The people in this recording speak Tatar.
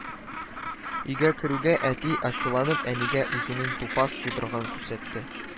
Өйгә керүгә, әти, ачуланып, әнигә үзенең тупас йодрыгын күтәрде